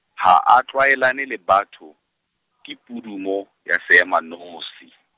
ha a tlwaelane le batho, ke pudumo, ya seema nosi.